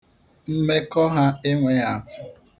Mmekọ ha enweghị atụ.